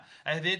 A hefyd